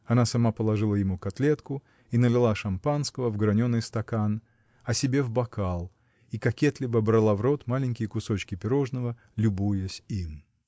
Она сама положила ему котлетку и налила шампанского в граненый стакан, а себе в бокал, и кокетливо брала в рот маленькие кусочки пирожного, любуясь им.